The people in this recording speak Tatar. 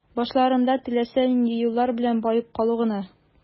Башларында теләсә нинди юллар белән баеп калу гына.